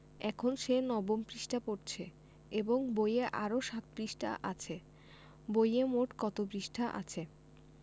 এখন সে নবম পৃষ্ঠা পড়ছে এবং বইয়ে আরও ৭ পৃষ্ঠা আছে বইয়ে মোট কত পৃষ্ঠা আছে